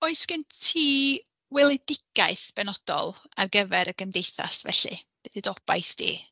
Oes gen ti weledigaeth benodol ar gyfer y Gymdeithas felly, beth 'di dy obaith di?